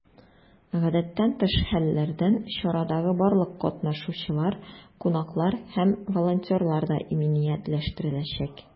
Гадәттән тыш хәлләрдән чарадагы барлык катнашучылар, кунаклар һәм волонтерлар да иминиятләштереләчәк.